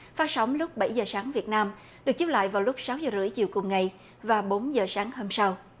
phát sóng lúc bảy giờ sáng việt nam được chiếu lại vào lúc sáu giờ rưỡi chiều cùng ngày và bốn giờ sáng hôm sau